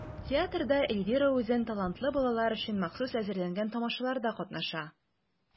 Театрда Эльвира үзен талантлы балалар өчен махсус әзерләнгән тамашаларда катнаша.